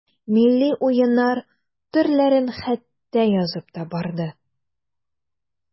Милли уеннар төрләрен хәтта язып та барды.